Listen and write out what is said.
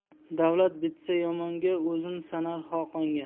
davlat bitsa yomonga o'zin sanar xoqonga